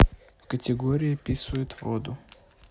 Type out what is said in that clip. категории писают воду